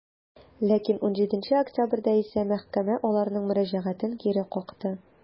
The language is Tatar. Ләкин 17 октябрьдә исә мәхкәмә аларның мөрәҗәгатен кире какты.